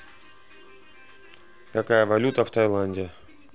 какая валюта в тайланде